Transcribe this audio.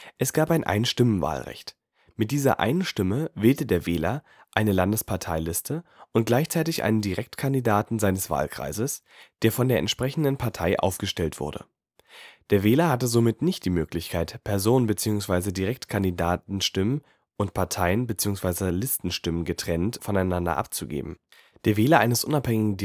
Es gab ein Einstimmenwahlrecht. Mit dieser einen Stimme wählte der Wähler eine Landesparteiliste und gleichzeitig einen Direktkandidaten seines Wahlkreises, der von der entsprechenden Partei aufgestellt wurde. Der Wähler hatte somit nicht die Möglichkeit, Personen - bzw. Direktkandidatenstimme und Parteien - bzw. Listenstimme getrennt (unabhängig) voneinander abzugeben. Der Wähler eines unabhängigen Direktkandidaten